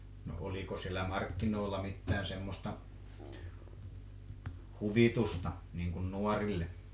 no oliko siellä markkinoilla mitään semmoista huvitusta niin kuin nuorille